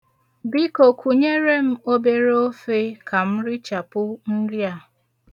Biko, kunyere m obere ofe ka m richapụ nri a.